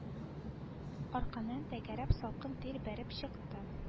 Аркамнан тәгәрәп салкын тир бәреп чыкты